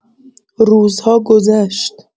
روزها گذشت.